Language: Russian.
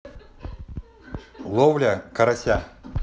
ловля карася